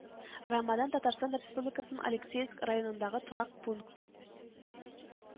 Рамодан Татарстан Республикасының Алексеевск районындагы торак пункт